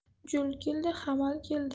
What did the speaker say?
jul keldi hamal keldi